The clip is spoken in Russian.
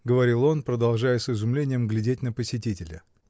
— говорил он, продолжая с изумлением глядеть на посетителя.